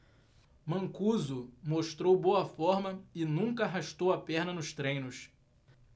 mancuso mostrou boa forma e nunca arrastou a perna nos treinos